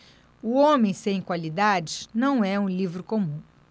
o homem sem qualidades não é um livro comum